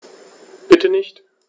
Bitte nicht.